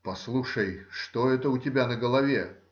— Послушай, что это у тебя на голове?